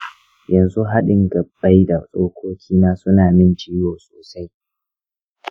yanzu haɗin gabbai da tsokokina suna min ciwo sosai.